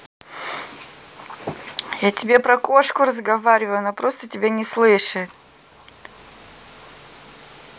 я тебе про кошку разговариваю она просто тебя не слышит